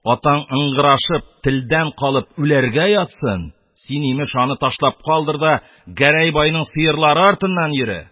Атаң ыңгырашып, телдән калып, үләргә ятсын,-син, имеш, аны ташлап калдыр да Гәрәй байның сыерлары артыннан йөре!